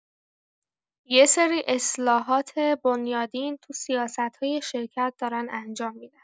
یه سری اصلاحات بنیادین تو سیاستای شرکت دارن انجام می‌دن.